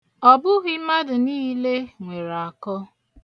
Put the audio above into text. Ọbụghị mmadụ niile nwere akọ.